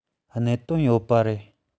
གནད དོན ཡོད པ རེད